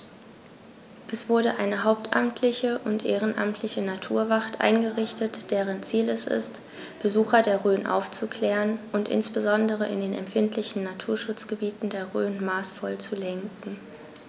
Es wurde eine hauptamtliche und ehrenamtliche Naturwacht eingerichtet, deren Ziel es ist, Besucher der Rhön aufzuklären und insbesondere in den empfindlichen Naturschutzgebieten der Rhön maßvoll zu lenken.